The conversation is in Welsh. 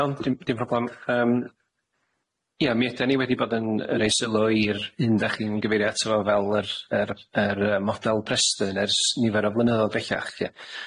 Iawn dim dim problem yym. Ie mi ydan ni wedi bod yn yy roi sylw i'r hyn dach chi'n gyfeirio ato fel yr yr yr y model preston ers nifer o flynyddoedd bellach lly.